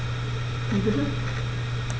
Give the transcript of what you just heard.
Wie bitte?